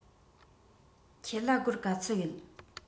ཁྱེད ལ སྒོར ག ཚོད ཡོད